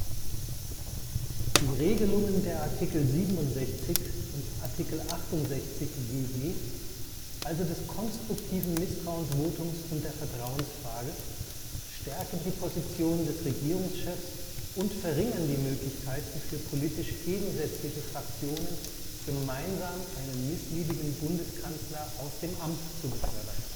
Die Regelungen der Art. 67 und Art. 68 GG, also des konstruktiven Misstrauensvotums und der Vertrauensfrage, stärken die Position des Regierungschefs und verringern die Möglichkeiten für politisch gegensätzliche Fraktionen, gemeinsam einen missliebigen Bundeskanzler aus dem Amt zu befördern